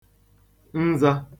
nzā